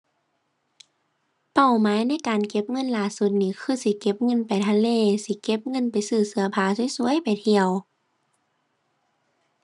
เป้าหมายในการเก็บเงินล่าสุดนี้ คือสิเก็บเงินไปทะเล สิเก็บเงินไปซื้อเสื้อผ้าสวยสวยไปเที่ยว